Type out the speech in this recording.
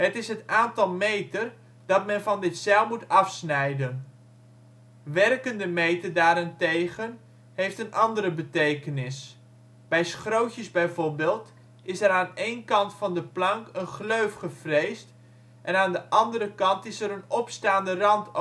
is het aantal meter dat men van dit zeil moet afsnijden. “Werkende” meter daarentegen heeft een andere betekenis. Bij schrootjes bijvoorbeeld, is er aan één kant van de plank een gleuf gefreesd en aan de andere kant is er een opstaande rand overgelaten